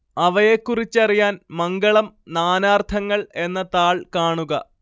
അവയെക്കുറിച്ചറിയാൻ മംഗളം നാനാർത്ഥങ്ങൾ എന്ന താൾ കാണുക